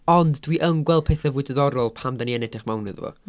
Ond dwi yn gweld pethau fwy diddorol pan dan ni yn edrych mewn iddo fo.